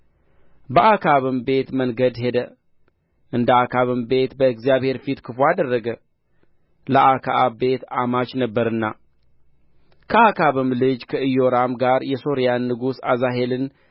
በአክዓብም ቤት መንገድ ሄደ እንደ አክዓብም ቤት በእግዚአብሔር ፊት ክፉ አደረገ ለአክዓብ ቤት አማች ነበረና ከአክዓብም ልጅ ከኢዮራም ጋር የሶርያን ንጉሥ አዛሄልን